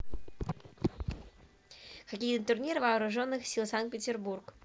хоккейный турнир вооруженных сил санкт петербург